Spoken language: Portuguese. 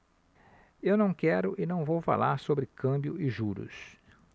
eu não quero e não vou falar sobre câmbio e juros